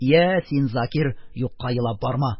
Я, син, Закир, юкка елап барма...